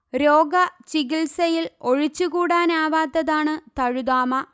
രോഗ ചികിത്സയിൽ ഒഴിച്ചുകൂടാനാവാത്തതാണ് തഴുതാമ